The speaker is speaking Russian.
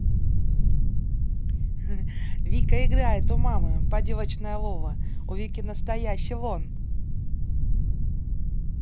вика играет у мамы поделочная лола у вики настоящий lone